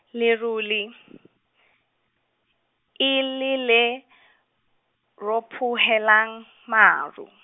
lerole, e le le , ropohelang, marung.